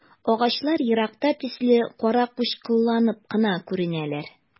Агачлар еракта төсле каракучкылланып кына күренәләр.